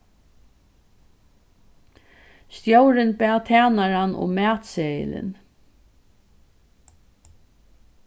stjórin bað tænaran um matseðilin